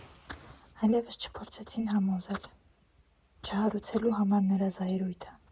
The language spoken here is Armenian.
Այլևս չփորձեցին համոզել՝ չհարուցելու համար նրա զայրույթը։